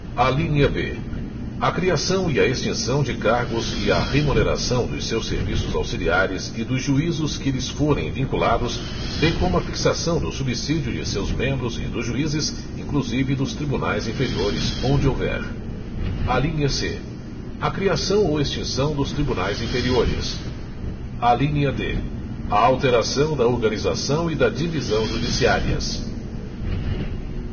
alínea b a criação e a extinção de cargos e a remuneração dos seus serviços auxiliares e dos juízos que lhes forem vinculados bem como a fixação do subsídio de seus membros e dos juízes inclusive dos tribunais inferiores onde houver alínea c a criação ou extinção dos tribunais inferiores alínea d a alteração da organização e da divisão judiciárias